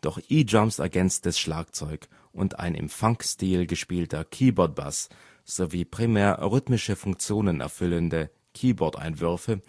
durch E-Drums ergänztes Schlagzeug und ein im Funkstil gespielter Keyboard-Bass? / i, sowie primär rhythmische Funktionen erfüllende Keyboardeinwürfe